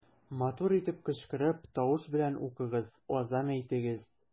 Матур итеп кычкырып, тавыш белән укыгыз, азан әйтегез.